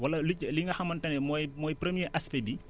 wala li nga xamante ne mooy mooy premier aspect bi